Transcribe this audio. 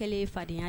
Kelen ye fadenyaya ye